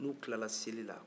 n'u tilara selila